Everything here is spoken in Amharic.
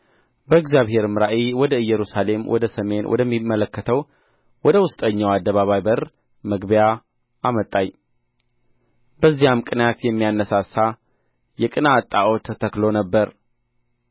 በእግዚአብሔርም ራእይ ወደ ኢየሩሳሌም ወደ ሰሜን ወደሚመለከተው ወደ ውስጠኛው አደባባይ በር መግቢያ አመጣኝ በዚያም ቅንዓት የሚያነሣሣ የቅንዓት ጣዖት ተተክሎ ነበር